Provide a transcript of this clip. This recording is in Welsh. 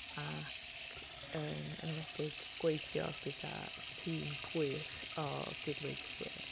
ac yn enwedig gweithio gyda tîm gwych o gydweithwyr.